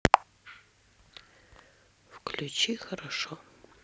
включи хорошо